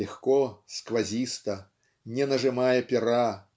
легко, сквозисто, не нажимая пера